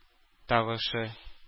Тавышы